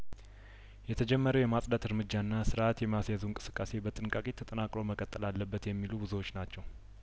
የተጀመረው የማጽዳት ርምጃና ስርአት የማስያዙ እንቅስቃሴ በጥንቃቄ ተጠናክሮ መቀጠል አለበት የሚሉ ብዙ ናቸው